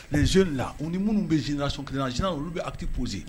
les jeune la u ni minnu bɛ générations kelen na généralement bi acte poser